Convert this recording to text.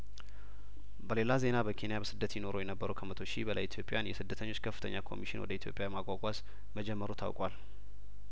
በሌላ ዜና በኬንያ በስደት ይኖሩ የነበሩ ከመቶ ሺህ በላይ ኢትዮጵያውያን የስደተኞች ከፍተኛ ኮሚሽን ወደ ኢትዮጵያ ማጓጓዝ መጀመሩ ታውቋል